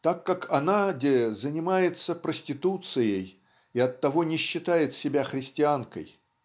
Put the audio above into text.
так как она-де занимается проституцией и оттого не считает себя христианкой.